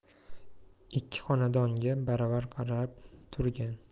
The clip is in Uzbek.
ikki xonadonga baravar qarab turgan